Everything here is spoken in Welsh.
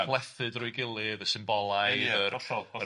Yn plethu drwy'i gilydd, y symbolau... ia hollol hollol